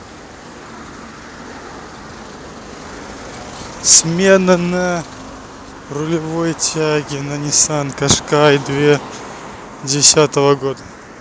смена на рулевой тяге на ниссан кашкай две девятого года